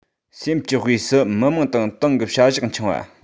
སེམས ཀྱི དབུས སུ མི དམངས དང ཏང གི བྱ གཞག འཆང བ